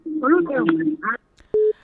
Kolo ko a